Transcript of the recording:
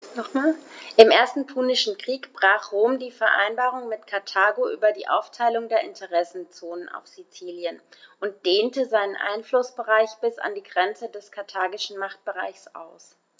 Im Ersten Punischen Krieg brach Rom die Vereinbarung mit Karthago über die Aufteilung der Interessenzonen auf Sizilien und dehnte seinen Einflussbereich bis an die Grenze des karthagischen Machtbereichs aus.